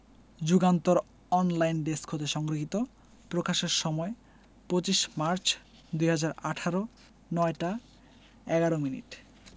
Jugantor online desk হতে সংগৃহীত প্রকাশের সময় ২৫ মার্চ ২০১৮ ০৯ টা ১১ মিনিট